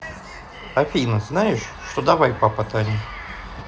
афина знаешь что давай папа тани